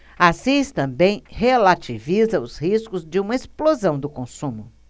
assis também relativiza os riscos de uma explosão do consumo